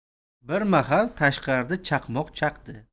bir mahal tashqarida chaqmoq chaqdi